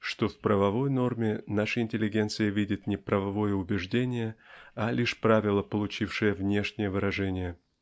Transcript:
что в правовой норме наша интеллигенция видит не правовое убеждение а лишь правило получившее внешнее выражение.